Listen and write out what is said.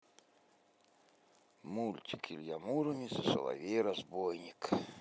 мультик илья муромец и соловей разбойник